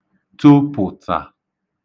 tōpụ̀tà